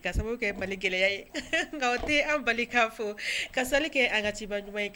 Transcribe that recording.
Sababu gɛlɛya ye nka tɛ an bali k' fɔ ka seli kɛ an katiba ɲuman ye kan